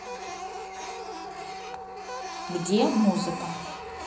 где музыка